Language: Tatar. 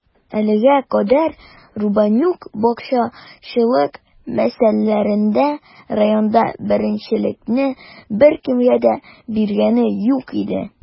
Әлегә кадәр Рубанюк бакчачылык мәсьәләләрендә районда беренчелекне беркемгә дә биргәне юк иде.